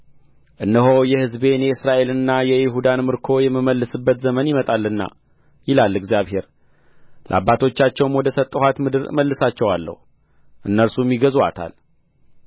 እነሆ የሕዝቤን የእስራኤልንና የይሁዳን ምርኮ የምመልስባት ዘመን ይመጣልና ይላል እግዚአብሔር ለአባቶቻቸውም ወደ ሰጠኋት ምድር እመልሳቸዋለሁ እነርሱም ይገዙአታል